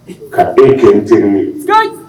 Ka den kɛ n teri ye